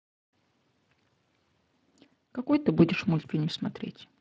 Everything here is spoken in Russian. какой ты будешь мультфильм смотреть